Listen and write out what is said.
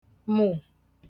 mụ̀